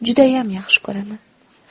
judayam yaxshi ko'raman